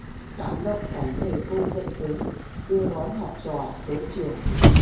cảm động cảnh thầy cô dậy sớm đưa đón học trò tới trường